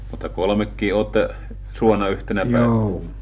mutta kolmekin olette saanut yhtenä päivänä